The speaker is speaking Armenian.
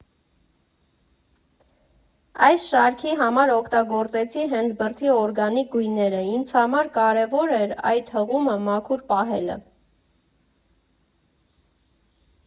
«Այս շարքի համար օգտագործեցի հենց բրդի օրգանիկ գույները, ինձ համար կարևոր էր այդ հղումը մաքուր պահելը։